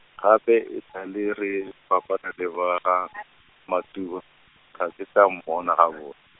gape e sa le re fapana le ba ga , Matuba, ga ke sa mmona gabo.